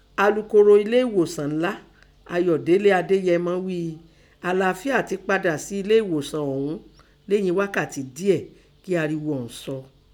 Alukoro ẹlé ẹ̀ghòsàn ńlá Ayọ̀délé Adéyẹmọ ghíi àláfíà tẹ padà sí ẹlé ẹghòsàn ọ̀ún lêyìn ghákàtí díẹ̀ kí arigho ọ̀ún sọ.